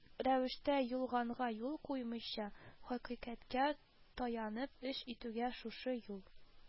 Рәвештә ялганга юл куймыйча, хакыйкатькә таянып эш итүгә, шушы юл